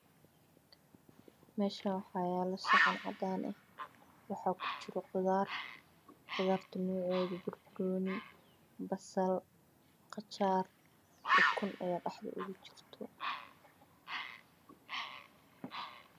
Meeshaan waxaa yaalo saxan cadaan ah waxaa kujira qudaar sida banbanooni, qajaar iyo basal, ukun ayaa dhexda ogajirto.